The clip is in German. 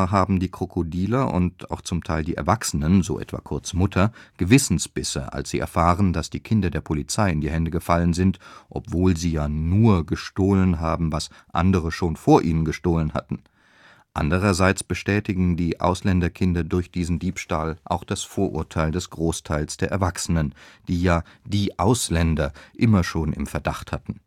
haben die Krokodiler und auch z. T. die Erwachsenen – so etwa Kurts Mutter – Gewissensbisse, als sie erfahren, dass die Kinder der Polizei in die Hände gefallen sind, obwohl sie ja „ nur “gestohlen haben, was andere schon vor ihnen gestohlen hatten. Andererseits bestätigen die Ausländerkinder durch diesen Diebstahl auch das Vorurteil des Großteils der Erwachsenen, die ja „ die Ausländer “immer schon im Verdacht hatten